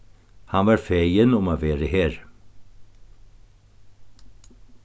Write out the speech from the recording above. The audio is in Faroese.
hann var fegin um at vera her